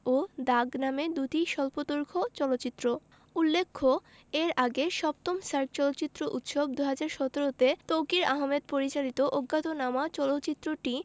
ও দাগ নামের দুটি স্বল্পদৈর্ঘ চলচ্চিত্র উল্লেখ্য এর আগে ৭ম সার্ক চলচ্চিত্র উৎসব ২০১৭ তে তৌকীর আহমেদ পরিচালিত অজ্ঞাতনামা চলচ্চিত্রটি